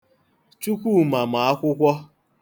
Chukwuma ma akwụkwọ.